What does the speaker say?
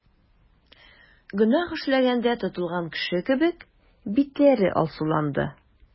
Гөнаһ эшләгәндә тотылган кеше кебек, битләре алсуланды.